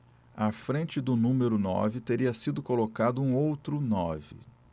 à frente do número nove teria sido colocado um outro nove